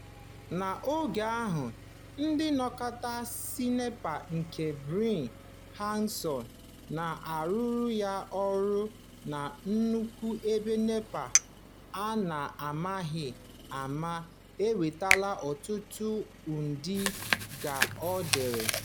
N'oge ahụ ndị nnakọta si Nepal nke Brian Hodgson na-arụụrụ ya ọrụ na nnukwu ebe Nepal a na-amaghị ama enwetaala ọtụtụ ụdị, ka o dere.